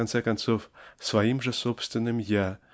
в конце концов своим же собственным "я"